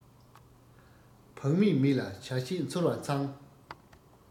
བག མེད མི ལ བྱ བྱེད འཚོལ བ མཚང